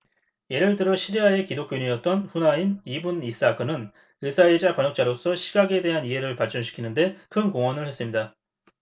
예를 들어 시리아의 기독교인이었던 후나인 이븐 이스하크는 의사이자 번역자로서 시각에 대한 이해를 발전시키는 데 큰 공헌을 했습니다